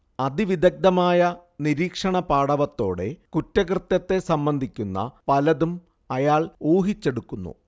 അതിവിദഗ്ദ്ധമായ നിരീക്ഷണപാടവത്തോടെ കുറ്റകൃത്യത്തെ സംബന്ധിക്കുന്ന പലതും അയാൾ ഊഹിച്ചെടുക്കുന്നു